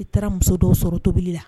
I taara muso dɔw sɔrɔ tobili la